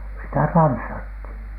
sitä tanssittiin